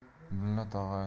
mullo tog'oying yomg'irda